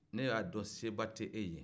ne y'a don seba tɛ e ye